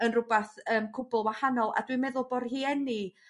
yn rwbath yym cwbwl wahanol a dw i'n meddwl bo' rhieni